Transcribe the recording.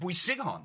bwysig hon.